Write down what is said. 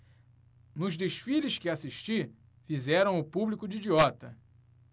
nos desfiles que assisti fizeram o público de idiota